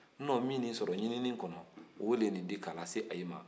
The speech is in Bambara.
n mana min sɔrɔ ɲininin kɔnɔ o de ye nin ye k'a lase i ma